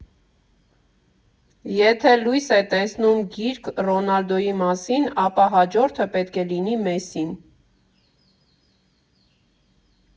Եթե լույս է տեսնում գիրք Ռոնալդուի մասին, ապա հաջորդը պետք է լինի Մեսսին։